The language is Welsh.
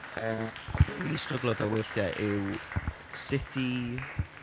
Yym, a be fi'n stryglo 'da weithiau yw sut i...